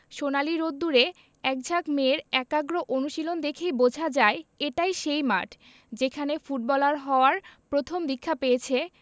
সোনালি রোদ্দুরে একঝাঁক মেয়ের একাগ্র অনুশীলন দেখেই বোঝা যায় এটাই সেই মাঠ যেখানে ফুটবলার হওয়ার প্রথম দীক্ষা পেয়েছে